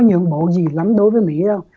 nhượng bộ gì lắm đối với mỹ đâu